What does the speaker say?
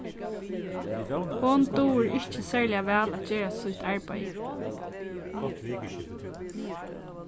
hon dugir ikki serliga væl at gera sítt arbeiði